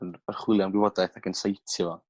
yn archwilio am wybodaeth ac yn citio